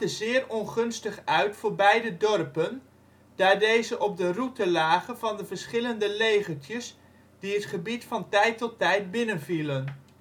zeer ongunstig uit voor beide dorpen, daar deze op de route lagen van de verschillende legertjes die het gebied van tijd tot tijd binnenvielen